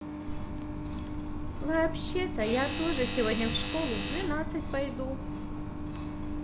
вообще то я тоже сегодня в школу в двенадцать пойду